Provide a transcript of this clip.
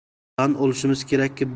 tan olishimiz kerak biz bu